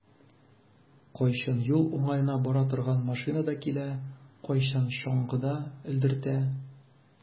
Кайчан юл уңаена бара торган машинада килә, кайчан чаңгыда элдертә.